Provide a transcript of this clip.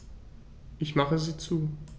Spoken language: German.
Ich mache sie zu.